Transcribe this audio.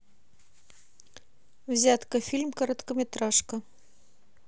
взятка фильм короткометражка